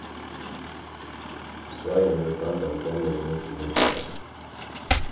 skráin verður blandað við gomlum og nýggjum tilfari